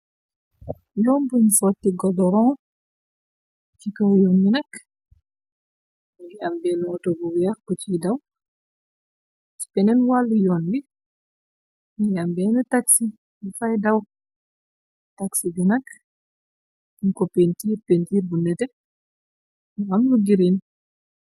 Yoon buñ sotti godoron ci kow yoon bi nakk ngi am benn moto bu wex ku ciy daw ci keneen wàllu yoon bi ni am benn taxsi bu fay daw taxi bi nakk giñ koppiin tiir pintiir bu nete nu am lu giriin.